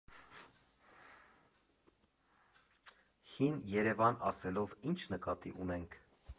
Հին Երևան ասելով ի՞նչ նկատի ունենք։